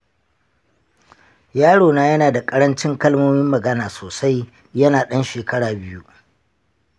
yarona yana da ƙarancin kalmomin magana sosai yana ɗan shekara biyu.